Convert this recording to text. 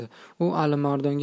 u alimardonga